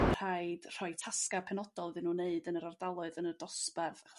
ma' rhaid rhoi tasga' penodol iddyn nhw neud yn yr ardaloedd yn y dosbarth.